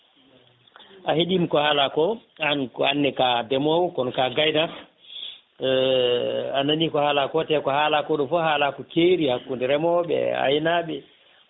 a heeɗima ko haalako an ko anne ka ndeemowo kono ka gaynako anani ko haalako te ko haalako ɗo foof haala teeri hakkude remoɓe e aynaɓe